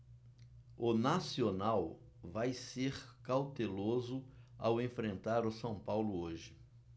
o nacional vai ser cauteloso ao enfrentar o são paulo hoje